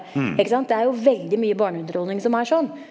ikke sant, det er jo veldig mye barneunderholdning som er sånn.